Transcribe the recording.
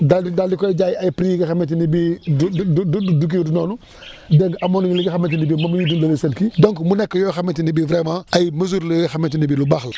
daal di daal di koy jaayi ay prix yi nga xamante ni bii du du du du kii du noonu dégg nga amoon na li nga xamante ni bii moom la ñu dundalee seen kii donc mu nekk yoo xamante ne bii vraiment ay mesures la yoo xamante ne bii lu baax la